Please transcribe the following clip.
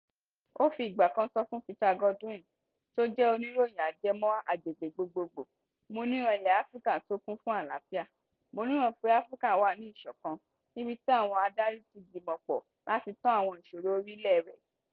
O fi ìgbà kan sọ fún Peter Godwin, tó jẹ́ oníròyìn ajẹmọ́ agbègbè gbogboogbò, “Mo níran ilẹ̀ Áfíríkà tó kún fún àlááfíà, mo níran pé Áfíríkà wà ni ìṣọ̀kan, níbì tí àwọn adarí tí gbìmọ̀ pọ̀ láti tán àwọn ìṣòro orílẹ̀ rẹ̀.